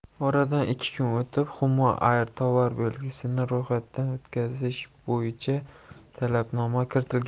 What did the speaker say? oradan ikki kun o'tib humo air tovar belgisini ro'yxatdan o'tkazish bo'yicha talabnoma kiritilgan